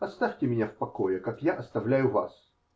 Оставьте меня в покое, как я оставляю вас.